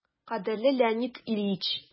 «кадерле леонид ильич!»